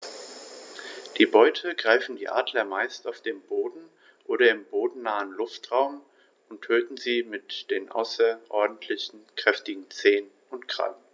Die Beute greifen die Adler meist auf dem Boden oder im bodennahen Luftraum und töten sie mit den außerordentlich kräftigen Zehen und Krallen.